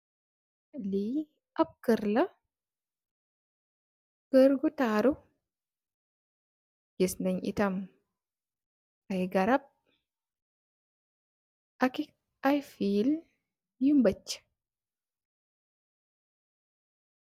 Lii ab kër la, kër gu taaru. Gis nay tamit, ay garab, ak ay fiil yu mbége.